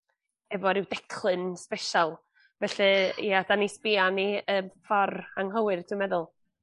efo ryw declyn sbesial felly ia 'dan ni sbïo arni y ffor anghywir dwi meddwl.